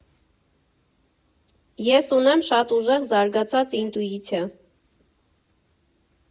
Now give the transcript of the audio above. Ես ունեմ շատ ուժեղ զարգացած ինտուիցիա։